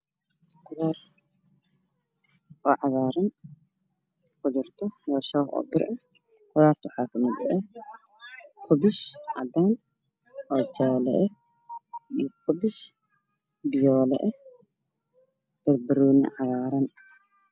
Qudar ocagaran okujirto shabaq obir ah waxa kamid ah obish cadan bokis jala ah iyo bokis biyole ah barbanoni cagaran